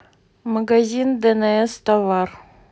магазин днс товар